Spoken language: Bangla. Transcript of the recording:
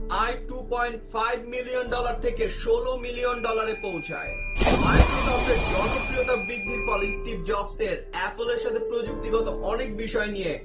আয় two point five million dollar থেকে ১৬ মিলিয়ন ডলার এ পৌছায় মাইক্রোসফট এর জনপ্রিয়তা বৃদ্ধির ফলে স্টিভ জবসের অ্যাপল এর সাথে প্রযুক্তিগত অনেক বিষয় নিয়ে